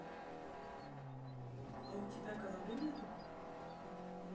а у тебя головы нету